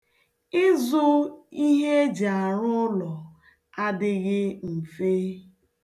Ịzụ ihe eji arụ ụlọ adịghị mfe.